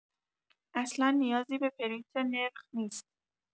اصلا نیازی به پرینت نرخ نیست